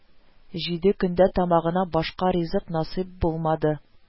Җиде көндә тамагына башка ризык насыйп булмады